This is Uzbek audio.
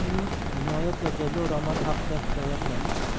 va jazo romani haqida hikoya qiladi